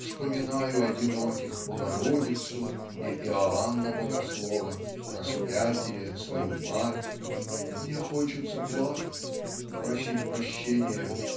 вспоминаю одиноких Богородицу и Иоанна Богослова распятие свою мать и мне хочется плакать просить прощения".